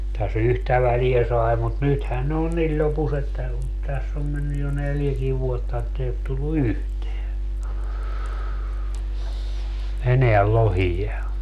tässä yhtä väliä sai mutta nythän ne on niin lopussa että on tässä on mennyt jo neljäkin vuotta että ei ole tullut yhtään enää lohia